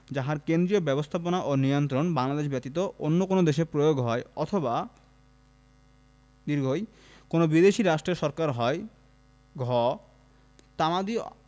যাহার কেন্দ্রীয় ব্যবস্থাপনা ও নিয়ন্ত্রণ বাংলাদেশ ব্যতীত অন্য কোন দেশে প্রয়োগ হয় অথবা ঈ কোন বিদেশী রাষ্ট্রের সরকার হয় ঘ তামাদি